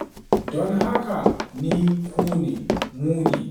“Don haka ni ku ne, mu ne.